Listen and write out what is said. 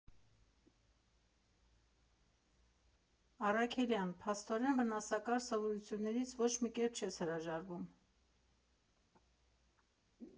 ֊ Առաքելյան, փաստորեն վնասակար սովորություններից ոչ մի կերպ չես հրաժարվում։